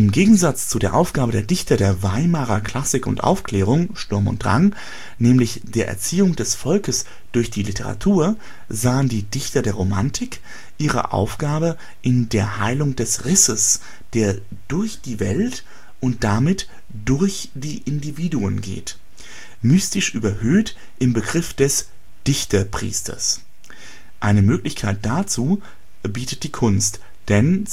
Gegensatz zu der Aufgabe der Dichter der Weimarer Klassik und Aufklärung/Sturm und Drang, nämlich der Erziehung des Volkes durch die Literatur, sahen die Dichter der Romantik ihre Aufgabe in der Heilung des Risses, der durch die Welt und damit durch die Individuen geht, mystisch überhöht im Begriff des „ Dichterpriesters “. Eine Möglichkeit dazu bietet die Kunst, denn